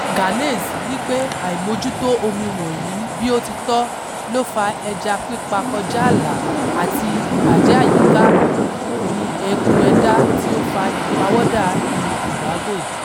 Ganase ní pé àìmójútò omi wọ̀nyí bí ó ti tọ́ ló fa ẹja pípa kọjá àlà àti ìbàjẹ́ àyíká ni eku ẹdá tí ó fa ìpàwọ̀dà iyùn-un Tobago.